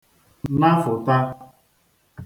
nafụ̀ta